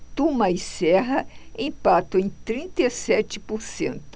tuma e serra empatam em trinta e sete por cento